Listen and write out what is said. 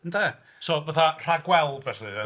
Ynde?... So fatha rhagweld felly ie?